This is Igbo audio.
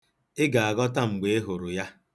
Ị ga-aghọta mgbe ị hụrụ ya.